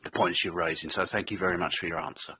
The points you're raising, so thank you very much for your answer.